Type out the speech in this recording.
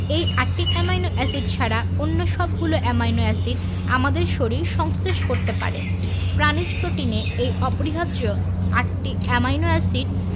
এই আটটি amino acid ছাড়া অন্য সবগুলো অ্যামাইনো এসিড আমাদের শরীর সংশ্লেষ করতে পারে প্রাণিজ প্রোটিনে এই অপরিহার্য আটটি অ্যামাইনো এসিড